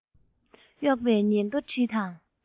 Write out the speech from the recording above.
གཡོག པའི ཉིན ཐོ བྲིས དང